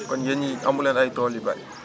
kon yéen ñii amu leen ay tool yu bari